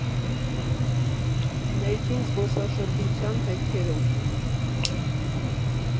Ներքին զբոսաշրջության հետքերով։